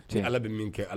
Ni ala bɛ min kɛ ala